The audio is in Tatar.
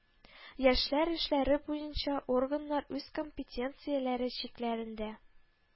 Яшьләр эшләре буенча органнар үз компетенцияләре чикләрендә